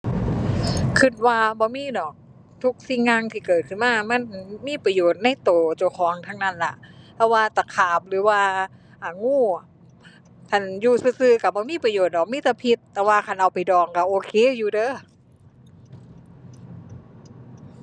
คิดว่าบ่มีดอกทุกสิ่งอย่างที่เกิดขึ้นมา มันมีประโยชน์ในคิดเจ้าของทั้งนั้นล่ะ บ่ว่าตะขาบหรือว่า อ่า งู คันอยู่ซื่อซื่อคิดบ่มีประโยชน์ดอกมีแต่พิษ แต่ว่าคันเอาไปดองคิดโอเคอยู่เด้อ